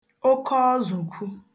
okeọzụ̀kwu